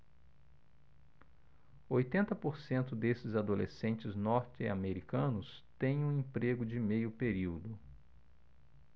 oitenta por cento desses adolescentes norte-americanos têm um emprego de meio período